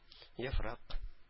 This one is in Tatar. Яфрак